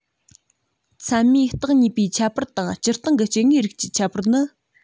མཚན མའི རྟགས གཉིས པའི ཁྱད པར དང སྤྱིར བཏང གི སྐྱེ དངོས རིགས ཀྱི ཁྱད པར ནི